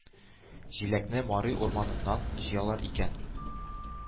Җиләкне Мари урманнарыннан җыялар икән.